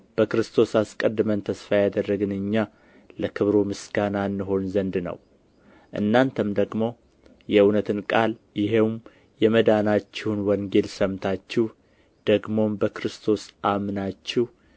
በክርስቶስ አስቀድመን ተስፋ ያደረግን እኛ ለክብሩ ምስጋና እንሆን ዘንድ ነው እናንተም ደግሞ የእውነትን ቃል ይኸውም የመዳናችሁን ወንጌል ሰምታችሁ ደግሞም በክርስቶስ አምናችሁ